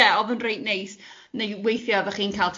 ...ie oedd yn reit neis, neu weithiau oeddech chi'n cael